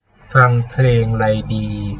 ฟังเพลงไรดี